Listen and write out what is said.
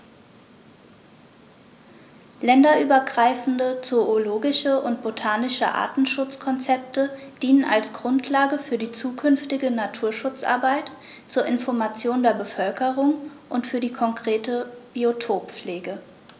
Länderübergreifende zoologische und botanische Artenschutzkonzepte dienen als Grundlage für die zukünftige Naturschutzarbeit, zur Information der Bevölkerung und für die konkrete Biotoppflege.